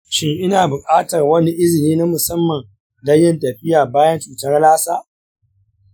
shin ina bukatar wani izini na musamman don yin tafiya bayan cutar lassa?